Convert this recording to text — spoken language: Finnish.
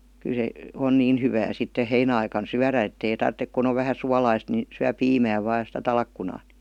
kyllä se on niin hyvää sitten heinäaikana syödä että ei tarvitse kun on vähän suolaista niin syö piimää vain ja sitä talkkunaa niin